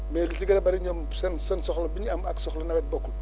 mais li ci gën a bëri ñoom seen seen seen soxla bi ñu am ak soxla nawet bokkul